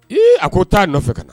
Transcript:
Ee a k' t taa'a nɔfɛ ka na